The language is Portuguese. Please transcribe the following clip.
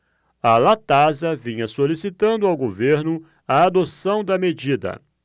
a latasa vinha solicitando ao governo a adoção da medida